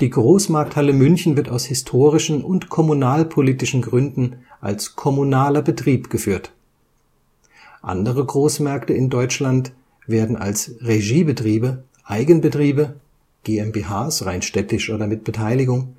Die Großmarkthalle München wird aus historischen und kommunalpolitischen Gründen als kommunaler Betrieb geführt. Andere Großmärkte in Deutschland werden als Regiebetriebe, Eigenbetriebe, GmbHs (rein städtisch oder mit Beteiligung),